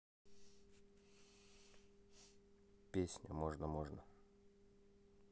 песня можно можно